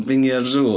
Bingia'r sŵ.